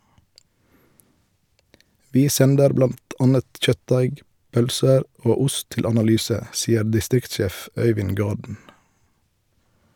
- Vi sender blant annet kjøttdeig, pølser og ost til analyse , sier distriktssjef Øivind Gaden.